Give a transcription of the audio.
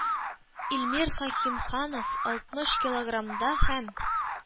Илмир Хәкимханов алтмыш килограммда һәм